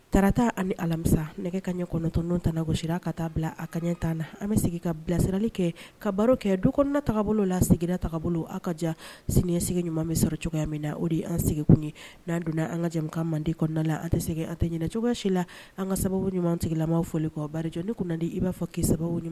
Taarata ani alamisa nɛgɛ ka ɲɛ9tɔn tagosi ka taa bila a ka ɲɛ ta na an bɛ segin ka bilasirali kɛ ka baro kɛ du kɔnɔnataa bolo la seginnala taabolo bolo aw ka jan sini sigi ɲuman min sɔrɔ cogoya min na o de an sigikun ye n'an donna an ka jamana mande kɔnɔnada la an tɛ segin an tɛ cogoyasi la an ka sababu ɲuman tigila m' fɔ k kɔ ba jɔ ni kundi i b'a ki sababu ɲuman